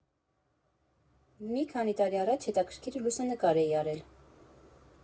Մի քանի տարի առաջ հետաքրքիր լուսանկար էի արել։